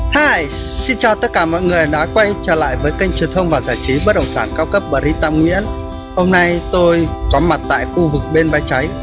hi xin chào tất cả mọi người đã quay trở lại với kênh truyền thông và giải trí bất động sản cao cấp britam nguyễn hôm nay tôi có mặt tại khu vực bên bãi cháy